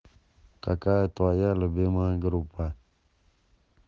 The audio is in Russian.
какая твоя любимая группа